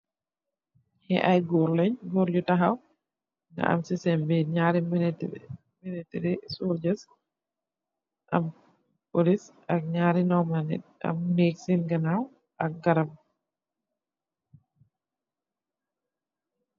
Nyi ay goor lanj, goor nyu taxaw, nga am si seen biir, nyaari militeri soljas, am polis ak nyaari nomal niit, am miir seen ganaaw ak garab